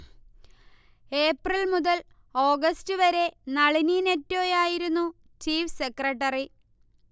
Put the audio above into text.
ഏപ്രിൽമുതൽ ഓഗസ്റ്റ്വരെ നളിനി നെറ്റോയായിരുന്നു chief secretary